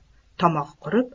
tomog'i qurib